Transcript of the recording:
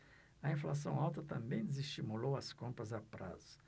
a inflação alta também desestimulou as compras a prazo